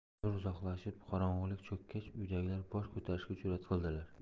nur uzoqlashib qorong'ilik cho'kkach uydagilar bosh ko'tarishga jurat qildilar